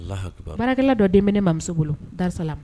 Baarakɛla dɔ den ne mamuso bolosa